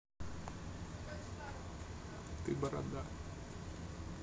ты борода